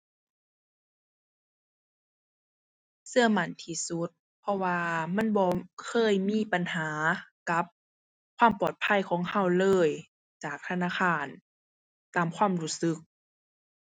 เชื่อมั่นที่สุด เพราะว่ามันบ่เคยมีปัญหากับความปลอดภัยของเชื่อเลย จากธนาคาร ตามความรู้สึก